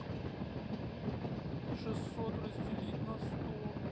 шестьсот разделить на сто